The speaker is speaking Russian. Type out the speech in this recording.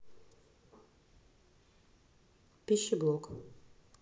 пищеблок